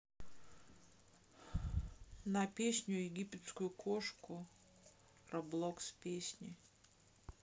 на песню египетскую кошку роблокс песни